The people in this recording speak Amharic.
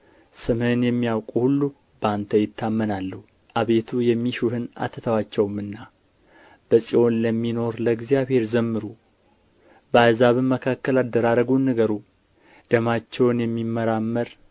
ስምህን የሚያውቁ ሁሉ በአንተ ይታመናሉ አቤቱ የሚሹህን አትተዋቸውምና በጽዮን ለሚኖር ለእግዚአብሔር ዘምሩ በአሕዛብም መካከል አደራረጉን ንገሩ ደማቸውን የሚመራመር